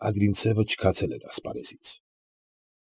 Ագրինցևը չքացել էր ասպարեզից։